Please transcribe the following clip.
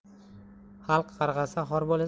xalq qarg'asa xor bo'lasan